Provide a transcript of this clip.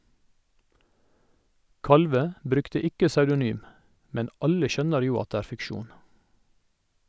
Kalvø brukte ikke pseudonym, men alle skjønner jo at det er fiksjon.